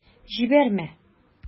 Җибәрмә...